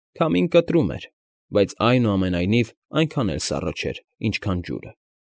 Քամին կտրում էր, բայց, այնուամենայնիվ, այնքան էլ սառը չէր, ինչքան ջուրը։